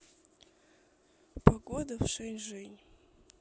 погода в шень жень